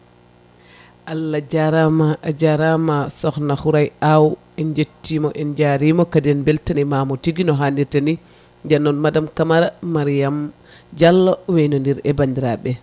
Allah jarama a jarama sokhna Houraye Aw en jettimo en jarimo kadi en beltanimamo tigui no hannirta ni nden noon madame Camara Mariame Diallo waynodir e bandiraɓeɓe